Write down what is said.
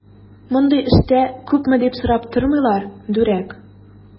Мондый эштә күпме дип сорап тормыйлар, дүрәк!